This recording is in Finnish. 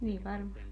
niin varmaan